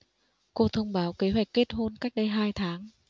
cô thông báo kế hoạch kết hôn cách đây hai tháng